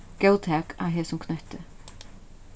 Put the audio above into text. góðtak á hesum knøtti